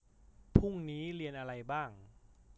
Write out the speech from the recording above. พรุ่งนี้เรียนอะไรบ้าง